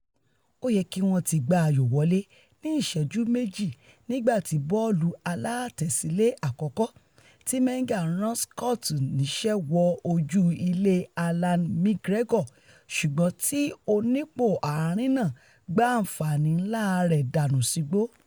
Ó yẹ kíwọ́n ti gbá ayò wọlé ní ìṣẹ́jú méji nígbà tí bọ́ọ̀lù aláàtẹ́sílẹ̀ àkọ́kọ́ ti Menga rán Scott níṣẹ́ wọ ojú ile Allan McGregor ṣùgbọ́n tí onípò-ààrin náà gbá àǹfààní ńlá rẹ̀ dànù sígbó.